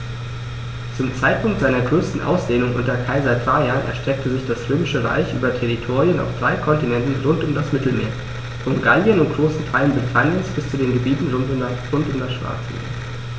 Zum Zeitpunkt seiner größten Ausdehnung unter Kaiser Trajan erstreckte sich das Römische Reich über Territorien auf drei Kontinenten rund um das Mittelmeer: Von Gallien und großen Teilen Britanniens bis zu den Gebieten rund um das Schwarze Meer.